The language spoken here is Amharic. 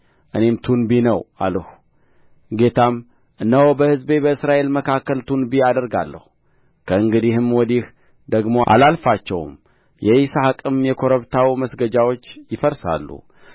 እኔም ቱንቢ ነው አልሁ ጌታም እነሆ በሕዝቤ በእስራኤል መካከል ቱንቢ አደርጋለሁ ከእንግዲህም ወዲህ ደግሞ አላልፋቸውም የይስሐቅም የኮረብታው መስገጃዎች ይፈርሳሉ